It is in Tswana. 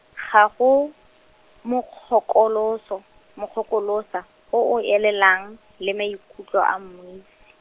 ga go, mokgokolosa, mokgokolosa, o o elelang, le maikutlo a mmuisi.